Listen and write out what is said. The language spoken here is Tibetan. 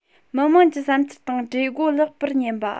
མི དམངས ཀྱི བསམ འཆར དང གྲོས འགོ ལེགས པར ཉན པ